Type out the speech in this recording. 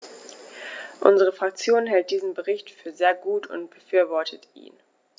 Unsere Fraktion hält diesen Bericht für sehr gut und befürwortet ihn.